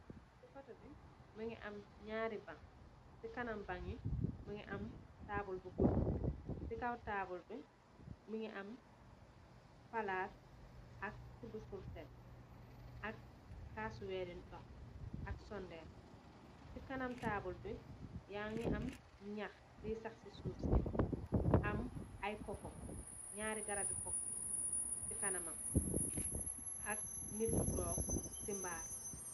Foto bi, mu am ñaari bang. Si kanam bang yi, ñu ngi am taabul bu guddu. Si kow taabul bi, mu ngi am palaat ak kuddu fursét, ak kaad i weeru ndox ak soondel. Si kanam taabul bi, yaangi am ñax buy sax